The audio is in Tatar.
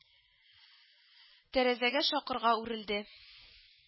Тәрәзәгә шакырга үрелде